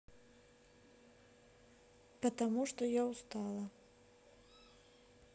потому что я устала